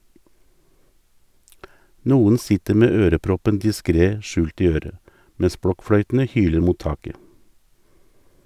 Noen sitter med øreproppen diskret skjult i øret, mens blokkfløytene hyler mot taket.